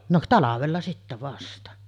no talvella sitten vasta